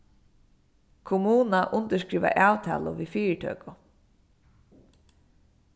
kommuna undirskrivað avtalu við fyritøku